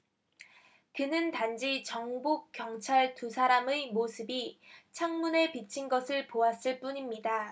그는 단지 정복 경찰 두 사람의 모습이 창문에 비친 것을 보았을 뿐입니다